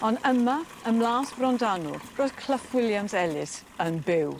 On' yma ym Mlas Brondanw roedd Clough Williams-Ellis yn byw.